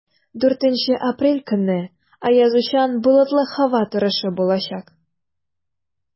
4 апрель көнне аязучан болытлы һава торышы булачак.